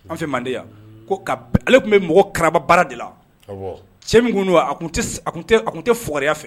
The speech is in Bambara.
An fɛ manden ka ale tun bɛ mɔgɔ kararababara de la cɛ min tun don tun tɛ fugya fɛ